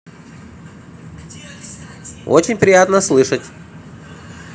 очень приятно слышать